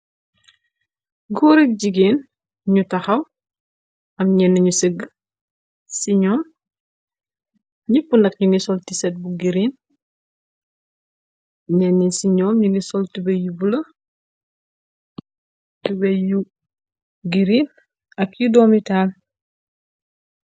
góorek jigéen ñu taxaw am ñenn ñu sëgg ci ñoom nipp nax ñu ngi sol ti sét bu giriin ñenn ci ñoom yi ngi soltubéy yu giriin ak yi doomitaal